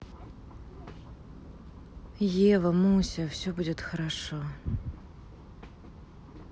ева муся все будет хорошо